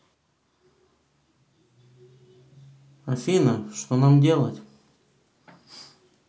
афина что нам делать